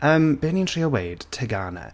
Yym be o'n i'n trio weud, tegannau?